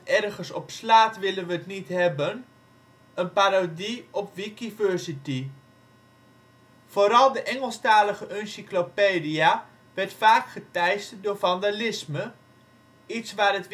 ergens op slaat willen we het niet hebben ") een parodie op Wikiversity. Vooral de Engelstalige Uncylopedia werd vaak geteisterd door vandalisme, iets waar het